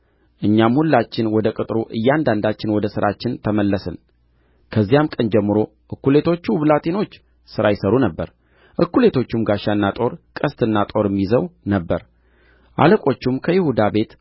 እኛም ሁላችን ወደ ቅጥሩ እያንዳንዳችን ወደ ሥራችን ተመለስን ከዚያም ቀን ጀምሮ እኵሌቶቹ ብላቴኖቼ ሥራ ይሠሩ ነበር እኵሌቶቹም ጋሻና ጦር ቀስትና ጥሩርም ይዘው ነበር አለቆቹም ከይሁዳ ቤት